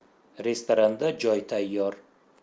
restoranda joy tayyor